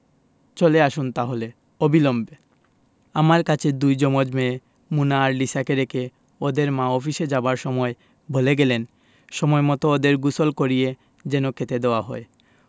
চলে আসুন তাহলে অবিলম্বে আমার কাছে দুই জমজ মেয়ে মোনা আর লিসাকে রেখে ওদের মা অফিসে যাবার সময় বলে গেলেন সময়মত ওদের গোসল করিয়ে যেন খেতে দেওয়া হয়